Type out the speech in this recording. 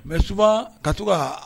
Mais souvent ka to kaa